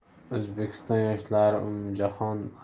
o'zbekiston yoshlari umumjahon